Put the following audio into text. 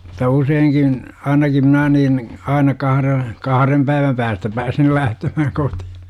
- useinkin ainakin minä niin aina kahden kahden päivän päästä pääsin lähtemään kotiin